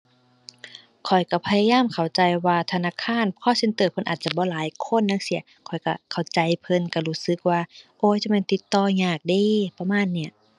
ข้อยก็พยายามเข้าใจว่าธนาคาร call center เพิ่นอาจจะบ่หลายคนจั่งซี้ ข้อยก็เข้าใจเพิ่น ก็รู้สึกว่า โอ้ย จักแม่นติดต่อยากเด้ประมาณเนี้ย